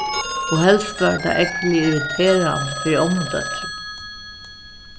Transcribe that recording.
og helst var tað ógvuliga irriterandi fyri ommudóttrina